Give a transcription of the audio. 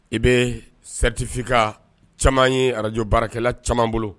I bɛ sɛtifin ka caman ye arajo baarakɛlala caman bolo